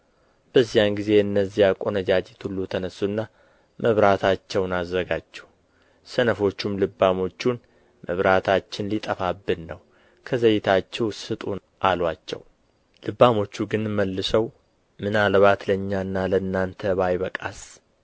በዚያን ጊዜ እነዚያ ቆነጃጅት ሁሉ ተነሡና መብራታቸውን አዘጋጁ ሰነፎቹም ልባሞቹን መብራታችን ሊጠፋብን ነው ከዘይታችሁ ስጡን አሉአቸው ልባሞቹ ግን መልሰው ምናልባት ለእኛና ለእናንተ ባይበቃስ